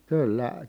kyllä